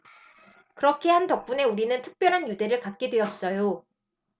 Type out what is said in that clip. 그렇게 한 덕분에 우리는 특별한 유대를 갖게 되었어요